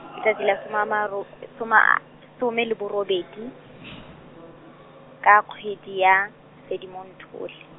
ke letsatsi la soma a maro- soma , some le borobedi , ka kgwedi ya, Sedimonthole.